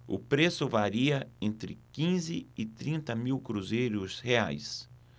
o preço varia entre quinze e trinta mil cruzeiros reais